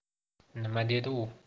nima dedi u